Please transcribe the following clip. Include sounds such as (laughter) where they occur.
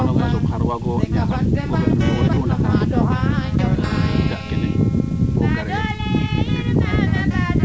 xar waago ñaaxa den (unintelligible)